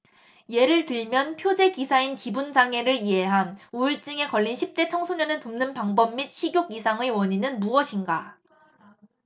예를 들면 표제 기사인 기분 장애를 이해함 우울증에 걸린 십대 청소년을 돕는 방법 및 식욕 이상의 원인은 무엇인가